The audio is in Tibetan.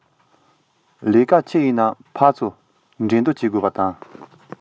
གནད དོན གང ཞིག ཡིན རུང ཕན ཚུན སྡུར དགོས པ དང